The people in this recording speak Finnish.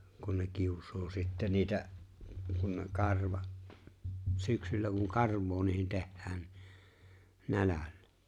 kun ne kiusaa sitten niitä kun ne karva syksyllä kun karvaa niihin tehdään niin nälällä